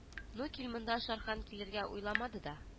Ну кил монда шархан килергә уйламады да